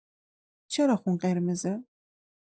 چرا خون قرمزه؟